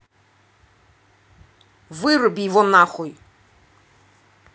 выруби его нахуй